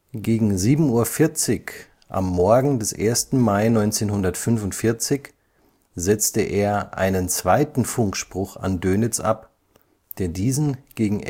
Gegen 7:40 Uhr am Morgen des 1. Mai 1945 setzte er einen zweiten Funkspruch an Dönitz ab, der diesen gegen